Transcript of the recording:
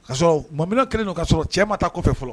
Kasɔrɔ mamina kelen don ka sɔrɔ cɛ ma ta kɔfɛ fɔlɔ